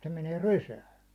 se menee rysään